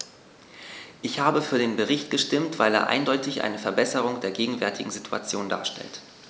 Ich habe für den Bericht gestimmt, weil er eindeutig eine Verbesserung der gegenwärtigen Situation darstellt.